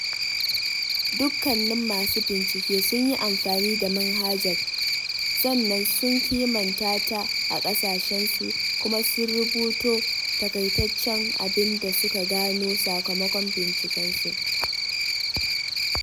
Dukkanin masu bincike sun yi amfani da manhajar, sannan sun kimanta ta a ƙasashensu kuma sun rubuto taƙaitaccen abinda suka gano sakamakon bincikensu.